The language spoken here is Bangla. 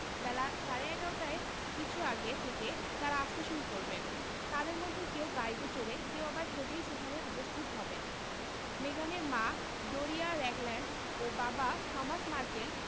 বেলা সাড়ে ১১টার কিছু আগে থেকে তাঁরা আসতে শুরু করবেন তাঁদের মধ্যে কেউ গাড়িতে চড়ে কেউ আবার হেঁটেই সেখানে উপস্থিত হবেন মেগানের মা ডোরিয়া রাগল্যান্ড ও বাবা থমাস মার্কেল